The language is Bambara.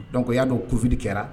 Donc u ya dɔn kovide kɛra